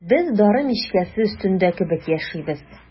Без дары мичкәсе өстендә кебек яшибез.